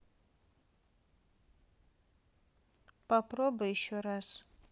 попробуй еще раз